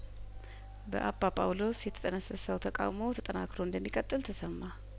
በአባ ጳውሎስ የተጠነሰሰው ተቃውሞ ተጠናክሮ እንደሚቀጥል ተሰማ